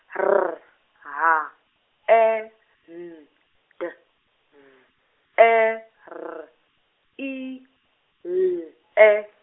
R, H, E, N, D, Z, E, R, I, L, E.